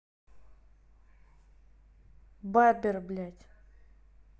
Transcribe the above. barbero блядь